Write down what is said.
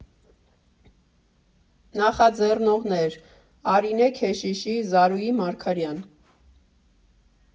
Նախաձեռնողներ՝ Արինե Քեշիշի, Զարուհի Մարգարյան։